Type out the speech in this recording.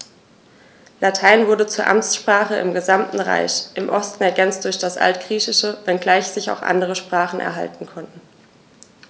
Latein wurde zur Amtssprache im gesamten Reich (im Osten ergänzt durch das Altgriechische), wenngleich sich auch andere Sprachen halten konnten.